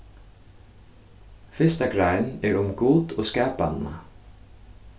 fyrsta grein er um gud og skapanina